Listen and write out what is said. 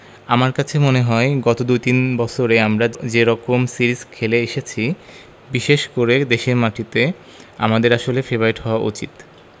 আমার কাছে মনে হয় গত দু তিন বছরে আমরা যে রকম সিরিজ খেলে এসেছি বিশেষ করে দেশের মাটিতে আমাদের আসলে ফেবারিট হওয়া উচিত